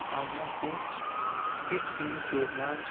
ammo u hech kimni ko'rmas